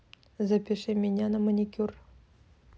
запиши меня на маникюр